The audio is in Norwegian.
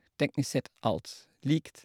Teknisk sett alt likt.